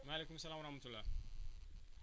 maaleykum salaam wa rahmatulah